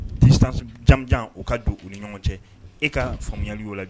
Jamujan u ka don u ni ɲɔgɔn cɛ e ka faamuyaya y' lajɛ